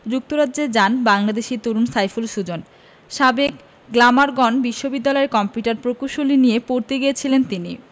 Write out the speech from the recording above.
যুক্তরাজ্যে যান বাংলাদেশি তরুণ সাইফুল সুজন সাবেক গ্লামারগন বিশ্ববিদ্যালয়ে কম্পিউটার প্রকৌশল নিয়ে পড়তে গিয়েছিলেন তিনি